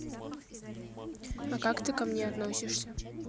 а как ты ко мне относишься